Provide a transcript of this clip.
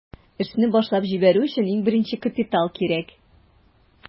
Эшне башлап җибәрү өчен иң беренче капитал кирәк.